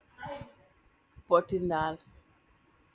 Poti ndaal.